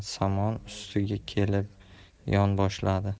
somon ustiga kelib yonboshladi